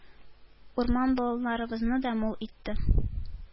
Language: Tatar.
Урман-болыннарыбызны да мул итте,